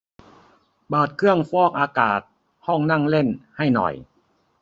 เปิดเครื่องฟอกอากาศห้องนั่งเล่นให้หน่อย